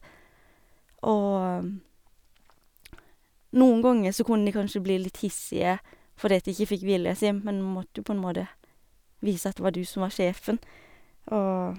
Og noen ganger så kunne de kanskje bli litt hissige fordi at de ikke fikk viljen si, men en måtte jo på en måte vise at det var du som var sjefen, og...